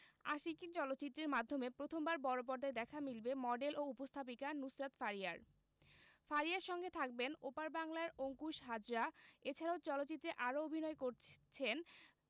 আশিকী চলচ্চিত্রের মাধ্যমে প্রথমবার বড়পর্দায় দেখা মিলবে মডেল ও উপস্থাপিকা নুসরাত ফারিয়ার ফারিয়ার সঙ্গে থাকবেন ওপার বাংলার অংকুশ হাজরা এছাড়াও চলচ্চিত্রে আরও অভিনয় করেছেন